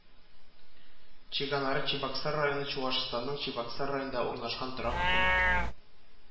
Чиганары Чабаксар районы Чуашстанның Чабаксар районында урнашкан торак пункт